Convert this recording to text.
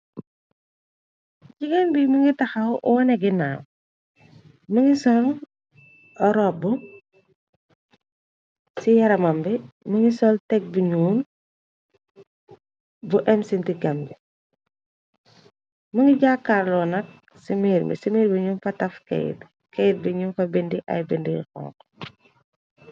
Jingeen bi mi ngi taxaw wone ginaaw më ngi sol ropb ci yaramam bi më ngi sol teg bi ñuu bu im sintikam bi më ngi jàakaarloo nak ci miir mi ci miir biñu fa taf keyt keyt bi ñu fa bindi ay bind xonk.